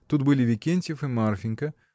Тут были Викентьев и Марфинька.